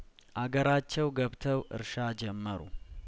አገራቸው ገብተው እርሻ ጀመሩ